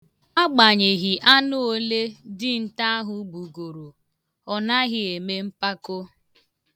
Agbanyeghị anụ olee dinta ahụ gbugoro, ọ naghị eme mpako.